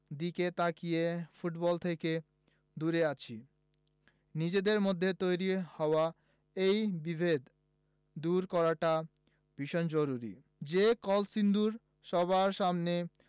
দিকে তাকিয়ে ফুটবল থেকে দূরে আছি নিজেদের মধ্যে তৈরি হওয়া এই বিভেদ দূর করাটা ভীষণ জরুরি যে কলসিন্দুর সবার সামনে